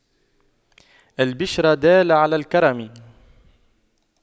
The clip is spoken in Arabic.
الْبِشْرَ دال على الكرم